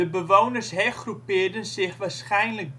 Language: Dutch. bewoners hergroepeerden zich waarschijnlijk